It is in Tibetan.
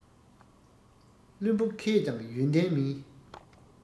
བླུན པོ མཁས ཀྱང ཡོན ཏན མིན